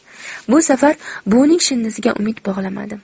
bu safar buvining shinnisiga umid bog'lamadim